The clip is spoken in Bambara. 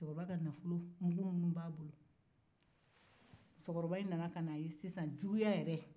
cɛkɔrɔba in ka nafolomugu min b'a bolo musokɔrɔba in nana kana ye sisan juguya yɛrɛ